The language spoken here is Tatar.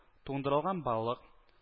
Туңдырылган балык